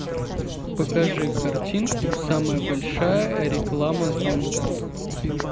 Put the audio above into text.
покажи картинку самая большая реклама зонда